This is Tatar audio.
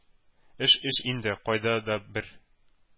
Эш эш инде, кайда да бер,